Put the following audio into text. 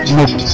Mukk